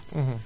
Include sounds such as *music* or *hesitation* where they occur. *hesitation* *hesitation*